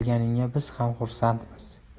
kelganingga biz ham xursandmiz